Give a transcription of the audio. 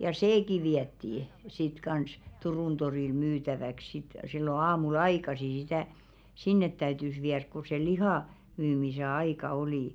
ja sekin vietiin sitten kanssa Turun torille myytäväksi sitten silloin aamulla aikaisin sitä sinne täytyi viedä kun se lihan myymisen aika oli